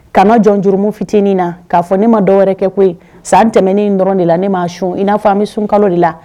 Kana jɔn jurumu fitinin na k'a fɔ ne ma dɔ wɛrɛ kɛ koyi. San tɛmɛnen in dɔrɔn de la ne ma sun, in n'a fɔ an bɛ sun kalo de la.